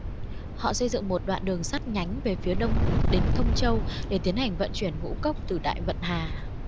họ xây dựng một đoạn đường sắt nhánh về phía đông đến thông châu để tiến hành vận chuyển ngũ cốc từ đại vận hà